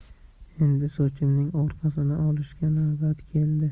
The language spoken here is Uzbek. endi sochimning orqasini olishga navbat keldi